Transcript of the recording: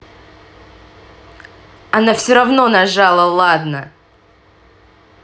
она все равно нажала ладно